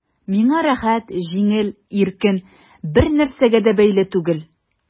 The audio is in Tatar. Миңа рәхәт, җиңел, иркен, бернәрсәгә дә бәйле түгел...